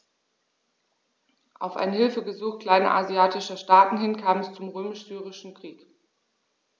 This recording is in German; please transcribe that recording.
Auf ein Hilfegesuch kleinasiatischer Staaten hin kam es zum Römisch-Syrischen Krieg.